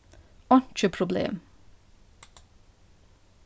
einki problem